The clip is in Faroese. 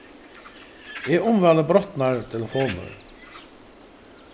eg umvæli brotnar telefonir